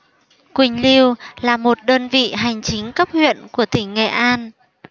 quỳnh lưu là một đơn vị hành chính cấp huyện của tỉnh nghệ an